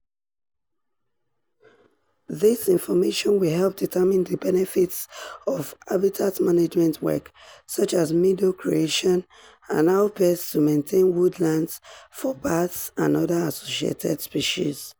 This information will help determine the benefits of habitat management work such as meadow creation and how best to maintain woodlands for bats and other associated species.